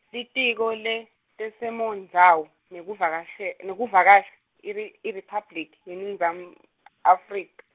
Litiko leTesimondzawo nekuvkashe- nekuVakasha IRi- IRiphabliki yeNinginzam- Afrik-.